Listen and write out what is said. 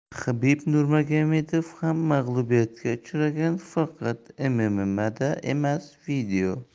habib nurmagomedov ham mag'lubiyatga uchragan faqat mma'da emas video